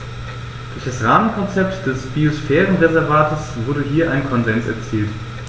Durch das Rahmenkonzept des Biosphärenreservates wurde hier ein Konsens erzielt.